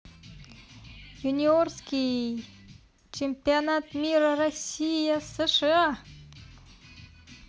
юниорский чемпионат мира россия сша